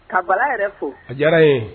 Ka Bala yɛrɛ fo a diyar'an ye